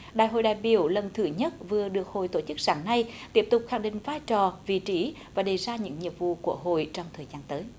đại hội đại biểu lần thứ nhất vừa được hội tổ chức sáng nay tiếp tục khẳng định vai trò vị trí và đề ra những nhiệm vụ của hội trong thời gian tới